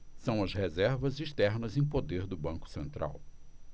são as reservas externas em poder do banco central